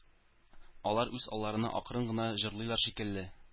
Алар үз алларына акрын гына җырлыйлар шикелле